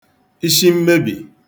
ishi mmebi